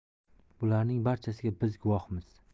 bularning barchasiga biz guvohmiz